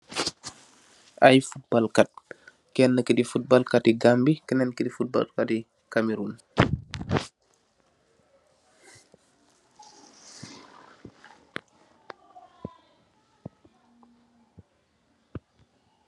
Aye football kat, ken ki di football kati Gambi, kanen ki di football kati Cameroon.